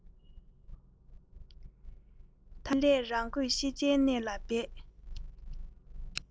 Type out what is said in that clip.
ད ནི སླད རང དགོས ཤེས བྱའི གནས ལ འབད